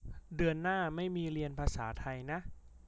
เดือนหน้าไม่มีเรียนภาษาไทยนะ